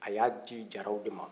a ye a di jaraw de ma